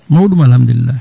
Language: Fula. mawɗum alhamdulillahi